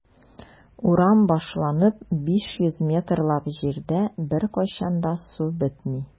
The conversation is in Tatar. Урам башланып 500 метрлап җирдә беркайчан да су бетми.